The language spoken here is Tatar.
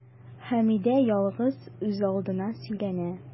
Хәмидә ялгыз, үзалдына сөйләнә.